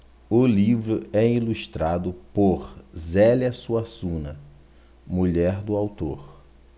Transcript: o livro é ilustrado por zélia suassuna mulher do autor